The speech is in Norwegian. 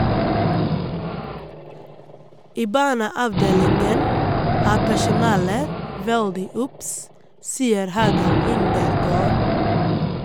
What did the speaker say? I barneavdelingen er personalet veldig obs, sier Haga Indergaard.